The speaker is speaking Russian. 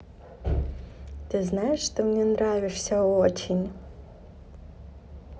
ты знаешь что ты мне нравишься очень